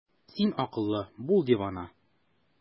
Син акыллы, бул дивана!